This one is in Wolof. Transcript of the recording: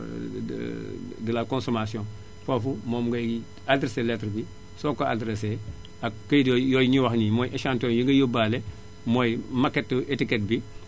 de de la consommation foofu moom ngay adressé lettre bi soo ko ko adressé ak kayit yooyu ñuy wax ni mooy échantillon yi ngay yóbbaale mooy maquette étiquette bi